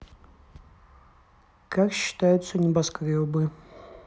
как считаются небоскребы